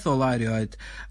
...ola erioed